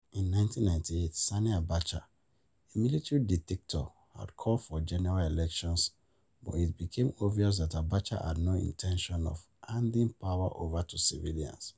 In 1998, Sani Abacha, a military dictator, had called for general elections but it became obvious that Abacha had no intention of handing power over to civilians.